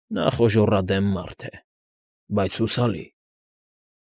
Նա խոժոռադեմ մարդ է, բայց հուսալի։